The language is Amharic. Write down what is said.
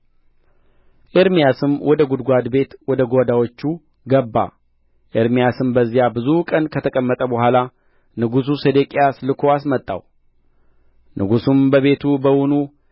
ኤርምያስም ወደ ጕድጓድ ቤት ወደ ጓዳዎቹ ገባ ኤርምያስም በዚያ ብዙ ቀን ከተቀመጠ በኋላ ንጉሡ ሴዴቅያስ ልኮ አስመጣው ንጉሡም በቤቱ በውኑ